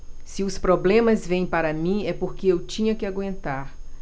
se os problemas vêm para mim é porque eu tinha que aguentar